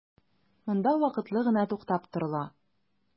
Монда вакытлы гына туктап торыла.